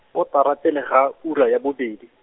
kotara pele ga, ura ya bobedi.